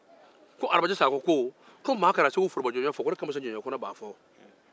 ko arabajɛ sacko maa kana segu forobaj jɔnya fɔ